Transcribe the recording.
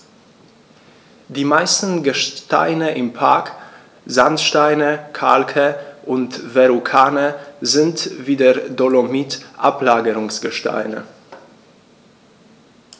Die meisten Gesteine im Park – Sandsteine, Kalke und Verrucano – sind wie der Dolomit Ablagerungsgesteine.